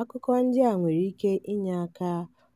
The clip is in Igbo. Akụkọ ndị a nwere ike inye aka